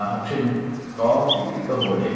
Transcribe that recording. học sinh có cái cái cơ hội để